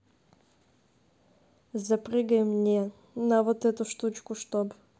за прыгай мне на вот эту штучку чтоб